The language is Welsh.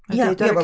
Ia ia wel...